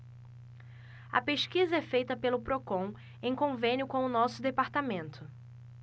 a pesquisa é feita pelo procon em convênio com o diese